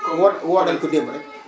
woo woo nañu ko démb rek